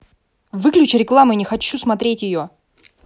выключи рекламу я не хочу смотреть ее